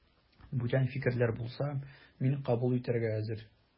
Бүтән фикерләр булса, мин кабул итәргә әзер.